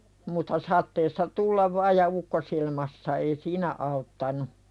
mutta sateessa tulla vain ja ukkosilmassa ei siinä auttanut